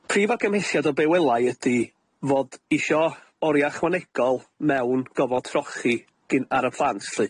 Prif argymhelliad o be' wela' i ydi fod isio oria ychwanegol mewn gofod trochi gin- ar y plant lly.